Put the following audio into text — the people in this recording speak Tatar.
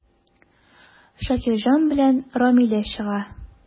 Шакирҗан белән Рамилә чыга.